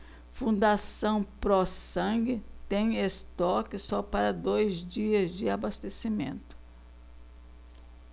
fundação pró sangue tem estoque só para dois dias de abastecimento